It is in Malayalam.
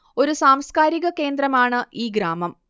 ഒരു സാംസ്കാരിക കേന്ദ്രമാണ് ഈ ഗ്രാമം